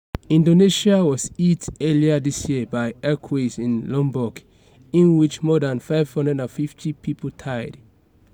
Indonesia was hit earlier this year by earthquakes in Lombok in which more than 550 people died.